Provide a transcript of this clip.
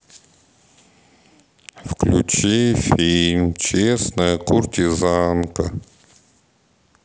включи фильм честная куртизанка